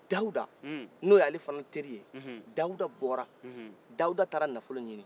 dawuda n'o y'ale fana teriye dawuda bɔrɔ dawuda taara nafoli ɲinin